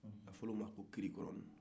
a fɔra o ma ko kirikɔrɔni